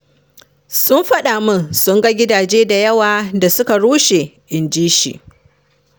“Sun faɗa mun sun ga gidaje da yawa da suka rushe,” inji shi.